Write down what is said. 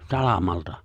salamalta